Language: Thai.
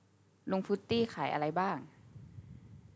ลุงฟรุตตี้ขายอะไรบ้าง